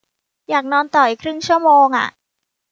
อยากนอนต่ออีกครึ่งชั่วโมงอะ